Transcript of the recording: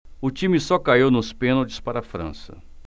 o time só caiu nos pênaltis para a frança